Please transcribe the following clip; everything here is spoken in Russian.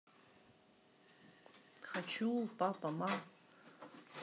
хочу папа ма